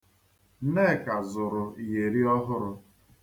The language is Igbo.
Nneka zụrụ iyeri ọhụrụ